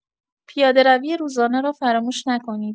پیاده‌روی روزانه را فراموش نکنید.